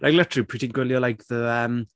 Like, literally pryd ti'n gwylio like the, um...